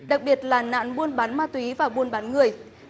đặc biệt là nạn buôn bán ma túy và buôn bán người